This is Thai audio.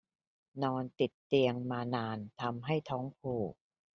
นอนติดเตียงมานานทำให้ท้องผูก